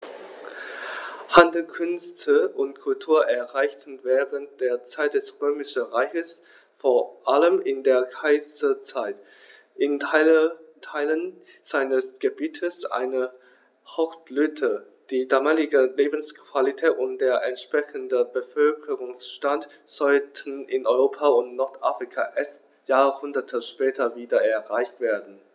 Handel, Künste und Kultur erreichten während der Zeit des Römischen Reiches, vor allem in der Kaiserzeit, in Teilen seines Gebietes eine Hochblüte, die damalige Lebensqualität und der entsprechende Bevölkerungsstand sollten in Europa und Nordafrika erst Jahrhunderte später wieder erreicht werden.